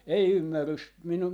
ei - minun